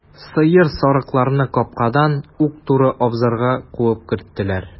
Сыер, сарыкларны капкадан ук туры абзарга куып керттеләр.